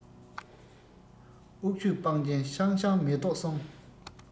ཨུག ཆོས སྤང རྒྱན ཤང ཤང མེ ཏོག གསུམ